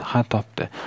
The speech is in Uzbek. ha topdi